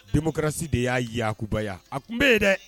Dmocratie de y'a yakubaya, a tun bɛ yen dɛ!